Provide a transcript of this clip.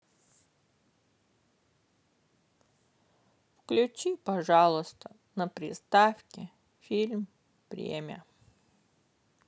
включи пожалуйста на приставке фильм время